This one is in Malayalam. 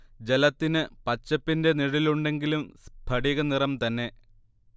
ജലത്തിന് പച്ചപ്പിന്റെ നിഴലുണ്ടെങ്കിലും സ്ഫടിക നിറം തന്നെ